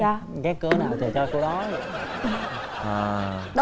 cái cơ hội dành cho chỗ đó ấy và